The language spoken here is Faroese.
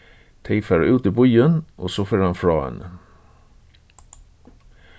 tey fara út í býin og so fer hann frá henni